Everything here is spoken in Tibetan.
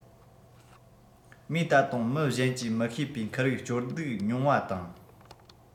མོས ད དུང མི གཞན གྱིས མི ཤེས པའི འཁུར བའི སྐྱོ སྡུག མྱོང བ དང